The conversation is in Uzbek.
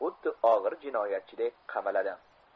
xuddi og'ir jinoyatchiday qamaladi